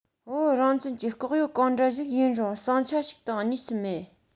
བོད རང བཙན གྱི ལྐོག གཡོ གང འདྲ ཞིག ཡིན རུང ཟིང ཆ ཞིག དང གཉིས སུ མེད